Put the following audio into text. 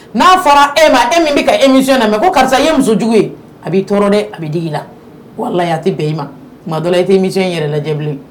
N'a fɔra e ma e min bɛ ka emi in na mɛ ko karisa ye musojugu ye a b'i tɔɔrɔ dɛ a bɛ d i la wala a tɛ bɛn e ma ma dɔ e tɛmi in yɛrɛ lajɛlen bilen